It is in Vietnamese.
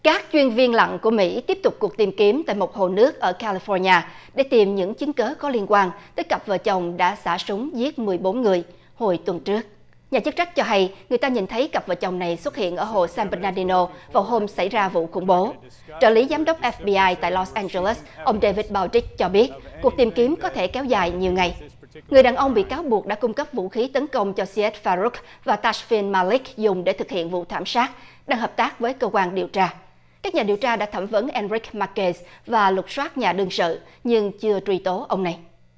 các chuyên viên lặn của mỹ tiếp tục cuộc tìm kiếm tại một hồ nước ở ca li phoóc li a để tìm những chứng cớ có liên quan tới cặp vợ chồng đã xả súng giết mười bốn người hồi tuần trước nhà chức trách cho hay người ta nhìn thấy cặp vợ chồng này xuất hiện ở hồ san bờ nan đi ô vào hôm xảy ra vụ khủng bố trợ lý giám đốc ép bi ai tại lốt an rơ lét ông đa vít bao trích cho biết cuộc tìm kiếm có thể kéo dài nhiều ngày người đàn ông bị cáo buộc đã cung cấp vũ khí tấn công cho si ét pha rúc và cát chuyn ma líc dùng để thực hiện vụ thảm sát đang hợp tác với cơ quan điều tra các nhà điều tra đã thẩm vấn en rích mắc cây và lục soát nhà đương sự nhưng chưa truy tố ông này